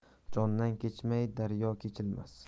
jondan kechmay daryo kechilmas